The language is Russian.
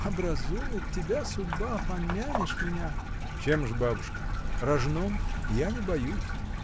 Образумит тебя судьба, помянешь меня! — Чем же, бабушка: рожном? Я не боюсь.